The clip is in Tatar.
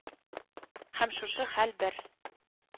Һәм шушы хәл бер